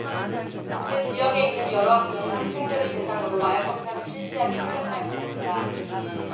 그 지역에 있는 여러 학교는 학생들을 대상으로 마약 검사를 실시하기 시작하였습니다